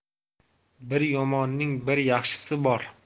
bir yomonning bir yaxshisi bor